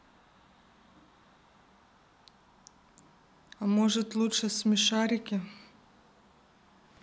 а может лучше смешарики